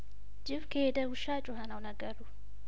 ጅብ ከሄደ ውሻ ጮኸ ነው ነገሩ